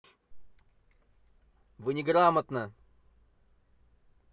вы неграмотно